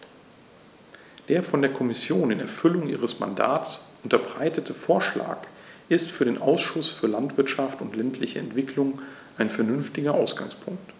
Der von der Kommission in Erfüllung ihres Mandats unterbreitete Vorschlag ist für den Ausschuss für Landwirtschaft und ländliche Entwicklung ein vernünftiger Ausgangspunkt.